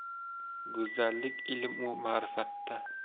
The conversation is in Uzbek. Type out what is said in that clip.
go'zallik ilm u ma'rifatda